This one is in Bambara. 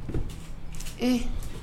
Ɛɛ